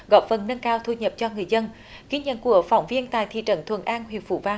góp phần nâng cao thu nhập cho người dân ghi nhận của phóng viên tại thị trấn thuận an huyện phú vang